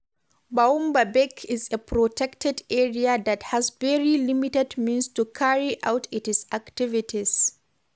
Boumba Bek is a protected area that has very limited means to carry out its activities.